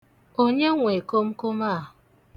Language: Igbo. Onye nwe komkom a?